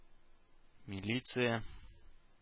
Милиция